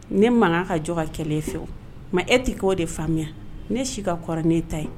Ne makan ka jɔ ka kɛlɛ fɛ mɛ e tɛ kɛ o de faamuya ne si ka kɔrɔ ne ta ye